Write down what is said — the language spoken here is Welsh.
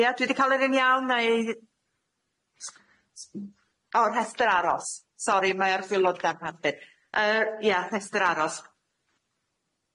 Ie dwi di ca'l yr un iawn neu s- s- o rhestr aros, sori mae ar ddiwrnod darn arfer yy ie rhestr aros.